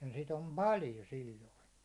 ja sitä on paljon silloin